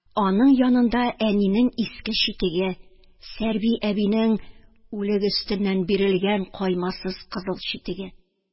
Аның янында әнинең иске читеге, Сәрби әбинең үлек өстеннән бирелгән каймасыз кызыл читеге